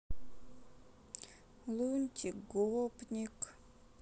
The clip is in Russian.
лунтик гопник